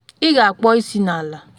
Ị ga-akpọ isi n’ala.